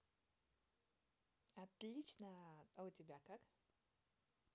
отлично а у тебя как